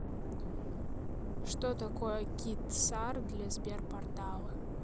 что такое kidsar для сбер портала